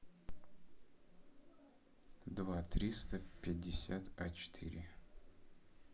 два триста пятьдесят а четыре